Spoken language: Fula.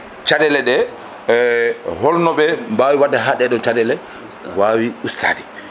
caɗele ɗe holnoɓe mbawi wadde ha ɗeɗon caɗele wawi ustade